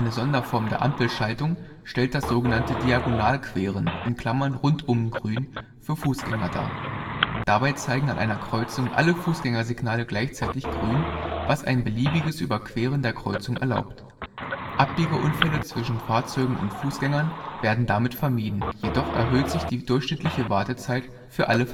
Sonderform der Ampelschaltung stellt das sog. Diagonalqueren (Rundum-Grün) für Fußgänger dar. Dabei zeigen an einer Kreuzung alle Fußgängersignale gleichzeitig „ Grün “, was ein beliebiges Überqueren der Kreuzung erlaubt. Abbiegeunfälle zwischen Fahrzeugen und Fußgängern werden damit vermieden, jedoch erhöht sich die durchschnittliche Wartezeit für alle